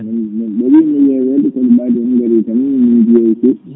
*